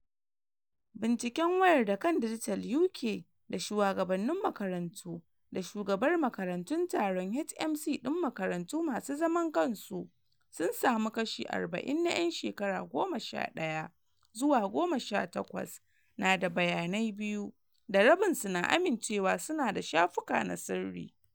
Binciken, wayar da kan Dijital UK da shuwagabannin makarantu da shugabar makarantun taron (HMC) din makarantu masu zaman kansu, sun samu kashi 40 na yan shekara 11 zuwa 18 na da bayanai biyu, da rabin su na amincewa su na da shafuka na sirri.